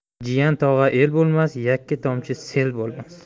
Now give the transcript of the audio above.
jiyan tog'a el bo'lmas yakka tomchi sel bo'lmas